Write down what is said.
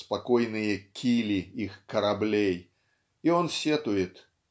спокойные "кили" их "кораблей" и он сетует